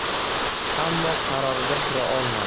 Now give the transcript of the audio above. ammo qarorida tura olmadi